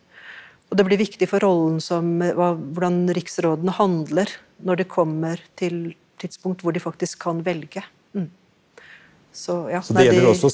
og det blir viktig for rollen som hva hvordan riksrådene handler når det kommer til tidspunkt hvor de faktisk kan velge ja så ja nei de.